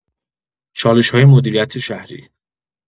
چالش‌های مدیریت شهری